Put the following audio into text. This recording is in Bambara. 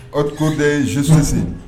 O coo bɛ zs sen